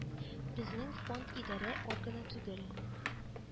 Безнең фонд идарә органы түгел